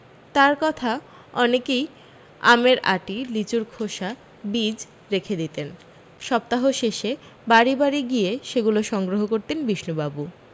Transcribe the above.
তাঁর কথা অনেকই আমের আঁটি লিচুর খোসা বীজ রেখে দিতেন সপ্তাহ শেষে বাড়ী বাড়ী গিয়ে সেগুলো সংগ্রহ করতেন বিষণুবাবু